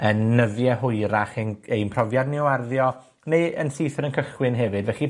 yn nyddie hwyrach ein ein profiad ni o arddio, neu yn syth yn y cychwyn hefyd. Felly,